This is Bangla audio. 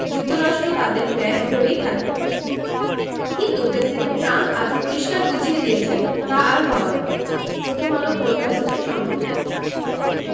যুক্তরাষ্ট্র তাদের ব্যাংক হয়েই থাকবে কিন্তু প্রেসিডেন্ট ট্রাম্প আজ পরিষ্কার বুঝিয়ে দিয়েছেন তা আর হওয়ার নয় প্রথমআলো পোর্টাল হতে সংগৃহীত